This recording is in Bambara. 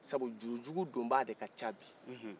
sabu jurujugu donba de ka ca bi